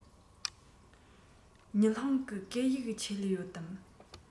ཉི ཧོང གི སྐད ཡིག ཆེད ལས ཡོད དམ